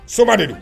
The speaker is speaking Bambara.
Soba de don